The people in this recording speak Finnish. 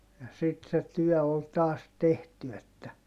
ja sitten se työ oli taas tehty että